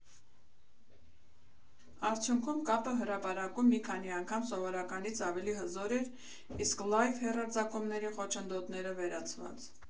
Արդյունքում կապը հրապարակում մի քանի անգամ սովորականից ավելի հզոր էր, իսկ լայվ հեռարձակումների խոչընդոտները՝ վերացված։